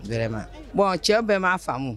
Vraiment Bon cɛ bɛɛ m'a faamu.